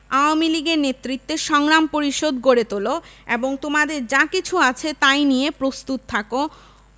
আওয়ামীলীগের নেতৃতে সংগ্রাম পরিষদ গড়ে তোল এবং তোমাদের যা কিছু আছে তাই নিয়ে প্রস্তুত থাক